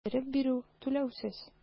Китереп бирү - түләүсез.